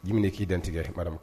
I minɛ k'i dantigɛma